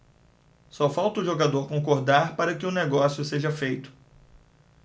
só falta o jogador concordar para que o negócio seja feito